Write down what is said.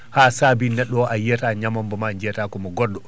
ha saabi neɗɗo o a yiyata ñamambo ma jiiyata komo goɗɗo